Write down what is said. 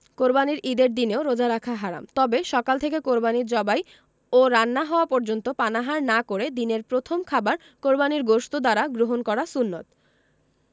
কোরবানির ঈদের দিনেও রোজা রাখা হারাম তবে সকাল থেকে কোরবানি জবাই ও রান্না হওয়া পর্যন্ত পানাহার না করে দিনের প্রথম খাবার কোরবানির গোশত দ্বারা গ্রহণ করা সুন্নাত